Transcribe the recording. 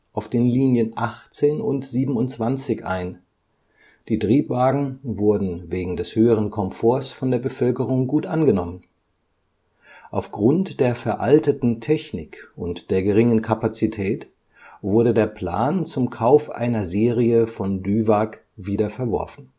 auf den Linien 18 und 27 ein, die Triebwagen wurden wegen des höheren Komforts von der Bevölkerung gut angenommen. Aufgrund der veralteten Technik und der geringen Kapazität wurde der Plan zum Kauf einer Serie von DUEWAG wieder verworfen